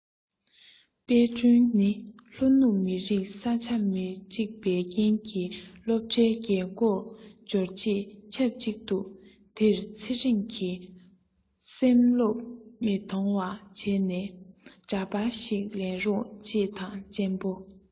དཔལ སྒྲོན ནི ལྷོ ནུབ མི རིགས ས ཆ མི གཅིག པའི རྐྱེན གྱི སློབ གྲྭའི རྒྱལ སྒོར འབྱོར རྗེས ཆབ གཅིག དུས དེར ཚེ རིང གི སེམས སློབ མིང མཐོང བ བྱས ནས འདྲ པར ཞིག ལེན རོགས བྱེད དང གཅེན པོ